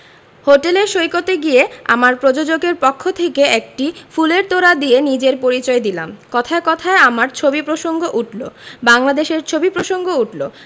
হোটেলের সৈকতে গিয়ে আমার প্রযোজকের পক্ষ থেকে একটি ফুলের তোড়া দিয়ে নিজের পরিচয় দিলাম কথায় কথায় আমার ছবির প্রসঙ্গ উঠলো বাংলাদেশের ছবির প্রসঙ্গ উঠলো